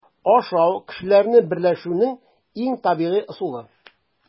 Ашау - кешеләрне берләшүнең иң табигый ысулы.